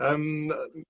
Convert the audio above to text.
yym